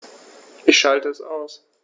Ich schalte es aus.